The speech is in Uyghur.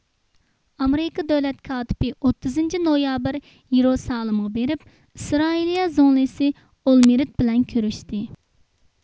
ئامېرىكا دۆلەت كاتىپى ئوتتۇزىنچى نويابىر يېرۇسالېمغا بېرىپ ئىسرائىلىيە زۇڭلىسى ئولمېرت بىلەن كۆرۈشتى